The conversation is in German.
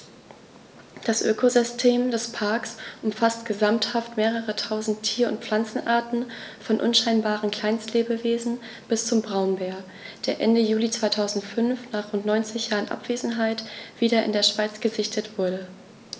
Das Ökosystem des Parks umfasst gesamthaft mehrere tausend Tier- und Pflanzenarten, von unscheinbaren Kleinstlebewesen bis zum Braunbär, der Ende Juli 2005, nach rund 90 Jahren Abwesenheit, wieder in der Schweiz gesichtet wurde.